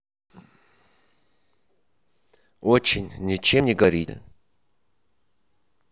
очень ничем не говорите